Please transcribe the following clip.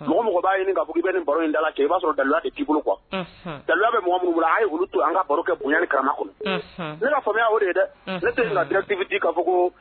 Mɔgɔ mɔgɔ b'a ɲini kaugu bɛ nin baro in da kɛ i b'a sɔrɔ da kɛkolo kuwa da bɛ mɔgɔ minnu a ye olu to an ka baro kɛ bon kara ne y'a faamuya o de ye dɛ ne tɛ ka da dibidi ka fɔ